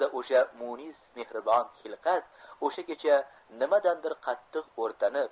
unda o'sha munis mehribon xilqat o'sha kecha nimadandir qattiq o'rtanib